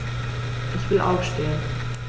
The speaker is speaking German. Ich will aufstehen.